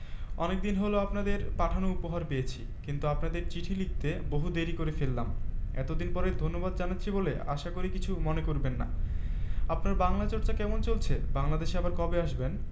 আলোচনা ফলপ্রসূ হবে এবং আমরা গ্রামীন পরিকল্পনা এবং উন্নয়নের সমস্যাসমূহ পরিচিহ্নিত করতে এবং তার সমাধান ও উন্নয়ন ব্যাপারে পরামর্শ দান করতে সক্ষম হবো